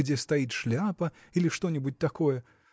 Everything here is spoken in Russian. где стоит шляпа или что-нибудь такое